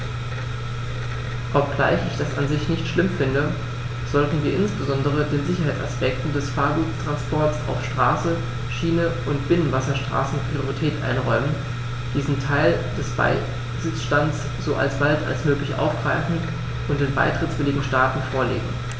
Obgleich ich das an sich nicht schlimm finde, sollten wir insbesondere den Sicherheitsaspekten des Gefahrguttransports auf Straße, Schiene und Binnenwasserstraßen Priorität einräumen, diesen Teil des Besitzstands so bald als möglich aufgreifen und den beitrittswilligen Staaten vorlegen.